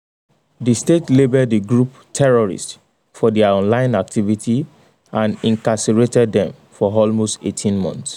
The state labeled the group "terrorists" for their online activity and incarcerated them for almost 18 months.